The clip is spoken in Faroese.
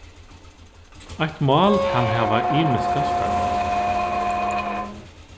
eitt mál kann hava ymiska stødd